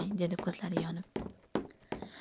dedi ko'zlari yonib